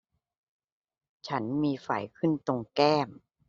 ฉันมีไฝขึ้นตรงแก้ม